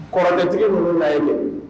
Kɔrɔlɛtigi ninnu na ye dɛ